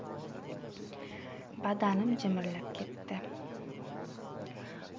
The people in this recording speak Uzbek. badanim jimirlab ketdi